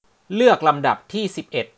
เลือกลำดับที่สิบเอ็ด